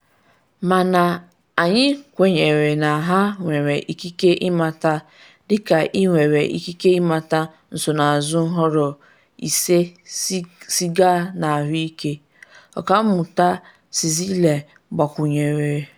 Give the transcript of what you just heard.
Mana anyị kwenyere na ha nwere ikike ịmata- dịka inwere ikike ịmata nsonazụ nhọrọ ise siga n’ahụike,’ Ọkammụta Czeisler gbakwunyere.